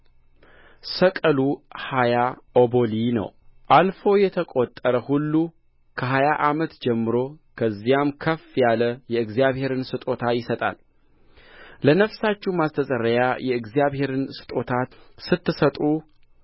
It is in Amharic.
ሰቅሉ ሀያ ኦቦሊ ነው አልፎ የተቈጠረ ሁሉ ከሀያ ዓመት ጀምሮ ከዚያም ከፍ ያለ የእግዚአብሔርን ስጦታ ይሰጣል ለነፍሳችሁ ማስተስረያ የእግዚአብሔርን ስጦታ ስትሰጡ